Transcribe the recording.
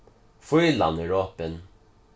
fílan er opin